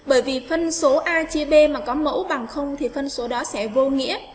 bởi vì phân số a chia b mà có mẫu bằng thì phân số đó sẽ vô nghĩa